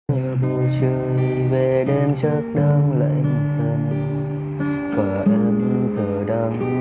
ở bên khi bầu trời về đêm chắc đang lạnh dần và em giờ đang chùm trong